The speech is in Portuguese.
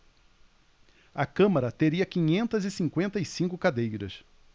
a câmara teria quinhentas e cinquenta e cinco cadeiras